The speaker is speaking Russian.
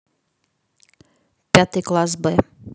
пятый класс б